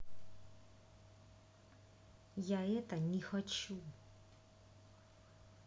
я это не хочу